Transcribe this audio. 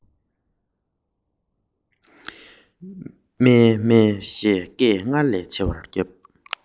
སྒྲ གསལ ལ མི གསལ ཞིག གྲགས པ ན